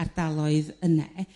ardaloedd yne